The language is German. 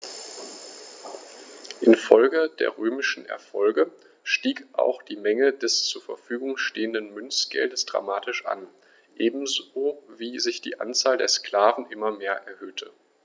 Infolge der römischen Erfolge stieg auch die Menge des zur Verfügung stehenden Münzgeldes dramatisch an, ebenso wie sich die Anzahl der Sklaven immer mehr erhöhte.